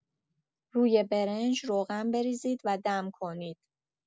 روی برنج، روغن بریزید و دم کنید.